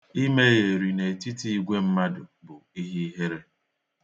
Imegheri n'etiti igwe mmadụ bụ ihe ihere.